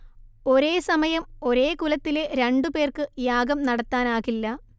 ഒരേ സമയം ഒരേ കുലത്തിലെ രണ്ടുപേർക്ക് യാഗം നടത്താനാകില്ല